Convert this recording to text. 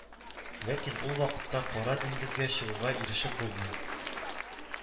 Ләкин ул вакытта Кара диңгезгә чыгуга ирешеп булмый